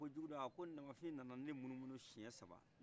a ko jugudu a ko namafin nana ne munmunu siɲɛ